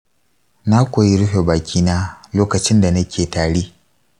na koyi rufe bakina lokacin da nake tari.